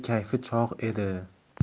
kayfi chog' edi